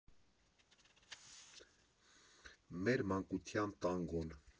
Մեր մանկության տանգոն։